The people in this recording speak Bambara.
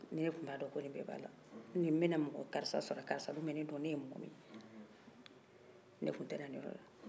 ni ne tun b'a dɔn ko nin bɛɛ b'a la n bɛna karisa sɔrɔ yan karisa dun bɛ ne dɔn ne ye mɔgɔ min ye ne tun tɛ na nin yɔrɔ la